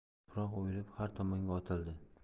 tuproq o'yilib har tomonga otildi